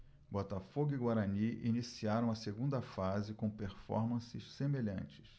botafogo e guarani iniciaram a segunda fase com performances semelhantes